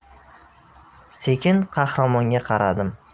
sekin qahramonga qaradim